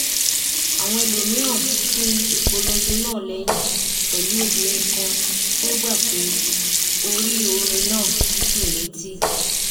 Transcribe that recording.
Awọn ẹlomiiran kin ipolongo naa lẹhin, pẹlu obirin kan ti o gba pe o ri orin naa "dun leti."